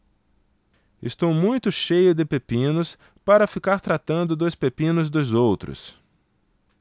estou muito cheio de pepinos para ficar tratando dos pepinos dos outros